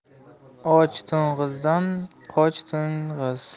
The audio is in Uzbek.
och to'ng'izdan qoch to'ng'iz